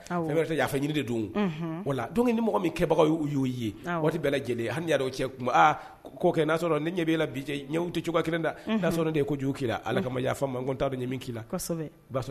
Nibagaw waati bɛ lajɛlen hali cɛ'a ni ɲɛ bɛ la bi ɲɛw tɛ cogoya kelen da de ye koju ala ka yaafa man ta bɛ min k'